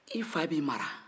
e fa b'i mara